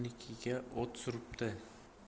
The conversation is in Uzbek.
bu yurtnikiga ot suribdi